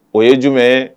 O ye jumɛn ye